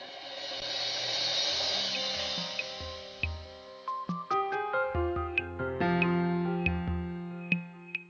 music